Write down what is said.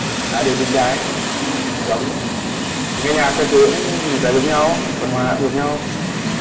là được đứng đái giống nghe nhạc theo hướng nhiều cái giống nhau văn hóa giống nhau